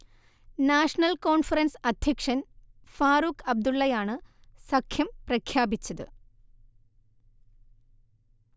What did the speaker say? national Conference അധ്യക്ഷൻ ഫാറൂഖ് അബ്ദുള്ളയാണ് സഖ്യം പ്രഖ്യാപിച്ചത്